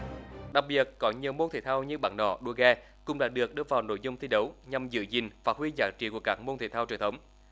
đặc biệt có nhiều môn thể thao như bắn nỏ đua ghe cũng đã được đưa vào nội dung thi đấu nhằm giữ gìn phát huy giá trị của các môn thể thao truyền thống